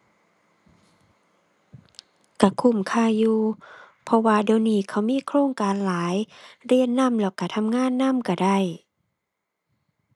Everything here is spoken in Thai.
ก็คุ้มค่าอยู่ เพราะว่าเดี๋ยวนี้เขามีโครงการหลาย เรียนนำแล้วก็ทำงานนำก็ได้